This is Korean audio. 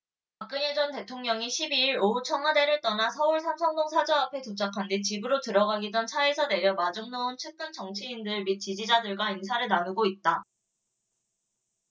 박근혜 전 대통령이 십 이 일 오후 청와대를 떠나 서울 삼성동 사저 앞에 도착한 뒤 집으로 들어가기 전 차에서 내려 마중 나온 측근 정치인들 및 지지자들과 인사를 나누고 있다